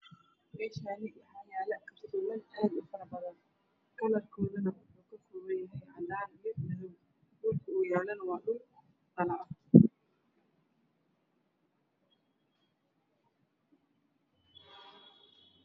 Meeshaan waxaa yaalo caag aad u faro badan kalarkoodu waa cagaar iyo buluug. Dhulka uu yaalana waa dhalo.